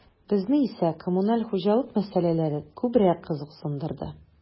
Безне исә коммуналь хуҗалык мәсьәләләре күбрәк кызыксындырды.